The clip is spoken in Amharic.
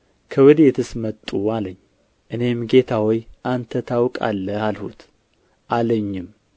ከወዴትስ መጡ አለኝ እኔም ጌታ ሆይ አንተ ታውቃለህ አልሁት አለኝም